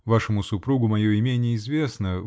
Вашему супругу мое имение известно.